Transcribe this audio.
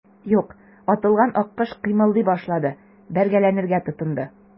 Юк, атылган аккош кыймылдый башлады, бәргәләнергә тотынды.